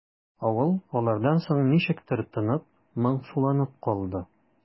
Авыл алардан соң ничектер тынып, моңсуланып калды.